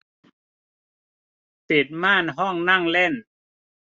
ปิดม่านห้องนั่งเล่น